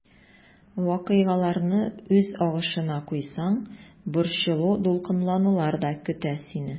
Вакыйгаларны үз агышына куйсаң, борчылу-дулкынланулар да көтә сине.